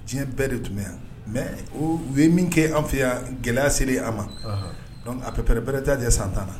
Diɲɛ bɛɛ de tun bɛ yan mɛ u ye min kɛ an fɛya gɛlɛya seli a ma apɛrɛ-ɛɛrɛjajɛ san tan na